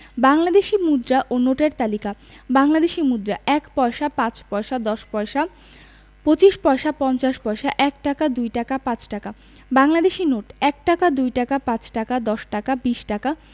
বাংলাদেশি মুদ্রা ও নোটের তালিকাঃ বাংলাদেশি মুদ্রাঃ ১ পয়সা ৫ পয়সা ১০ পয়সা ২৫ পয়সা ৫০ পয়সা ১ টাকা ২ টাকা ৫ টাকা বাংলাদেশি নোটঃ ১ টাকা ২ টাকা ৫ টাকা ১০ টাকা ২০ টাকা